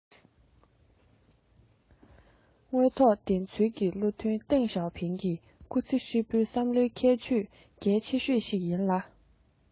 དངོས ཐོག བདེན འཚོལ ནི བློ མཐུན ཏེང ཞའོ ཕིང གི སྐུ ཚེ ཧྲིལ པོའི བསམ བློའི ཁྱད ཆོས གལ ཆེ ཤོས ཤིག ཡིན ལ